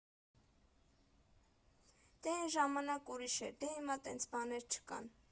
Դե էն ժամանակ ուրիշ էր, դե հիմա տենց բաներ չկան…